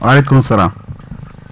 waaleykum salaam